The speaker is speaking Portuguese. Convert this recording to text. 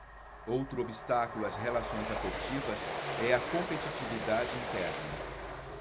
outro obstáculo às relações afetivas é a competitividade interna